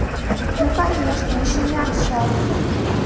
ну конечно еще не общаться